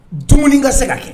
Dumuni ka se ka kɛ